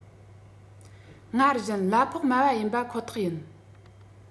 སྔར བཞིན གླ ཕོགས དམའ བ ཡིན པ ཁོ ཐག ཡིན